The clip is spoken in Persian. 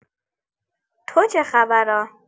تو چه خبرا؟